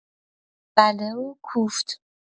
بله و کوفت